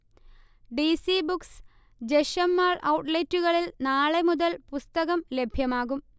D. C. Books, ജഷന്മാൾ ഔട്ട്ലെറ്റുകളിൽ നാളെ മുതൽ പുസ്തകം ലഭ്യമാകും